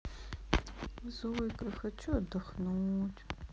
зойкой хочу отдохнуть